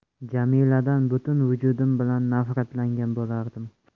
jamiladan butun vujudim bilan nafratlangan bo'lardim